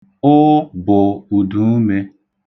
'Ụ' bụ ụduume.